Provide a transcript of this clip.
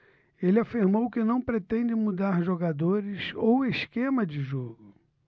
ele afirmou que não pretende mudar jogadores ou esquema de jogo